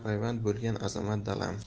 payvand bo'lgan azamat dalam